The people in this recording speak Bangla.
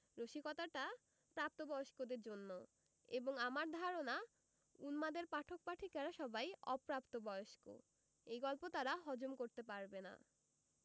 রসিকতাটা প্রাত বয়স্কদের জন্যে এবং অমির ধারণা উন্মাদের পাঠক পাঠিকারা সবাই অপ্রাতবয়স্ক এই গল্প তারা হজম করতে পারিবে না